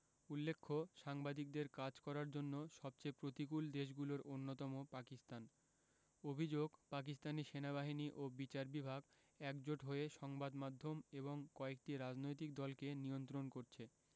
উল্লেখ্য সাংবাদিকদের কাজ করার জন্য সবচেয়ে প্রতিকূল দেশগুলোর অন্যতম পাকিস্তান অভিযোগ পাকিস্তানি সেনাবাহিনী ও বিচার বিভাগ একজোট হয়ে সংবাদ মাধ্যম এবং কয়েকটি রাজনৈতিক দলকে নিয়ন্ত্রণ করছে